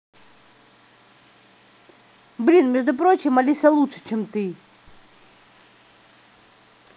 блин между прочим алиса лучше чем ты